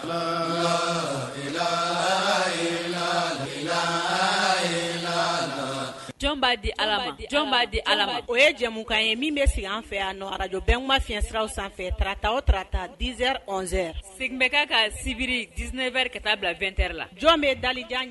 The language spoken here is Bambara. A di di ala o ye jamumukan ye min bɛ sigi an fɛ yanjjɔ bɛn ma fiɲɛyɛnsiraw sanfɛ tata o tata dz z segin bɛ ka ka sibiri dzɛrɛri ka taa bila2ɛ la jɔn bɛ